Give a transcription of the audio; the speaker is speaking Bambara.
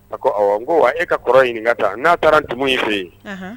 A kɔ awɔ nko a e ka kɔrɔ ɲininka tan n'a taara Ntumoyi fe yen anhan